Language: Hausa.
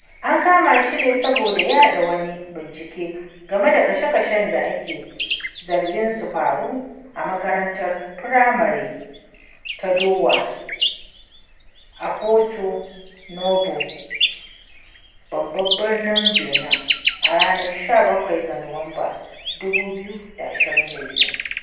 An kama shi ne saboda yaɗa wani bincike game da kashe-kashen da ake zargin sun faru a makarantar firamare ta Dowa a Porto-Novo (babban birnin Benin) a ranar 17 ga Nuwamba, 2022.